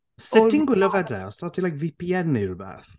Sut ti'n gwylio fe te? Oes 'da ti like, VPN neu rhywbeth?